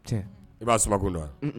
Tiɲɛ. I ba suma kun dɔn wa?